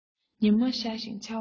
ཉི མ ཤར ཞིང ཆར བ བབས བྱུང